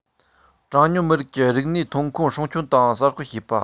གྲངས ཉུང མི རིགས ཀྱི རིག གནས ཐོན ཁུངས སྲུང སྐྱོང དང གསར སྤེལ བྱེད པ